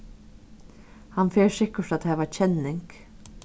hann fer sikkurt at hava kenning